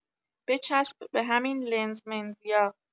بچسب به همین لنز منزیا